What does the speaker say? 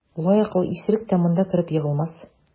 Лаякыл исерек тә монда кереп егылмас.